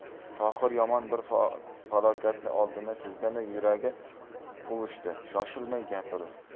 tohir yomon bir falokatni oldindan sezganday yuragi uvushdi shoshilmay gapir